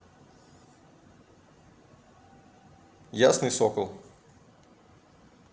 ясный сокол